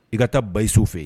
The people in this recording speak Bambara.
I ka taa baso fɛ yen